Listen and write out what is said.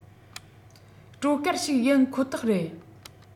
སྤྲོ གར ཞིག ཡིན ཁོ ཐག རེད